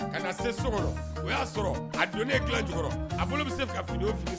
Ka na se so o y'a sɔrɔ a don ne dilan jɔkɔrɔ a bolo bɛ se ka fini fili